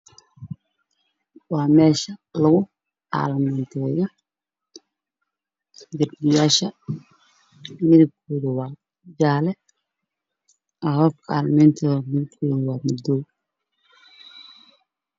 Meeshaan waa meel lagu almiiteeyo